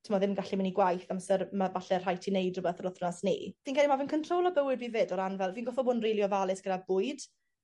t'mo' ddim gallu mynd i gwaith amser ma' falle rhai' ti neud rwbeth yr yr wthnos 'ny. Fi'n credu ma' fe'n controlo bywyd fi 'fyd o ran fel fi'n goffod bod yn rili ofalus gyda bwyd.